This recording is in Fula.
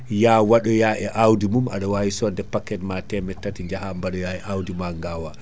ya waɗoya e awdi mum aɗa wawi sodde paquet ma temet taati jaaha baɗoya e awdi ma gaawa